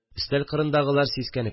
Өстәл кырындагылар сискәнеп